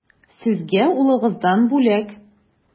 Сезгә улыгыздан бүләк.